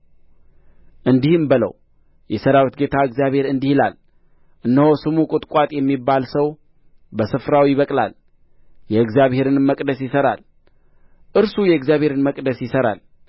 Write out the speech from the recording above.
እንዲህም በለው የሠራዊት ጌታ እግዚአብሔር እንዲህ ይላል እነሆ ስሙ ቍጥቋጥ የሚባል ሰው በስፍራው ይበቅላል የእግዚአብሔርንም መቅደስ ይሠራል እርሱ የእግዚአብሔርን መቅደስ ይሠራል